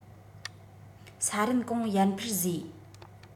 ས རིན གོང ཡར འཕར བཟོས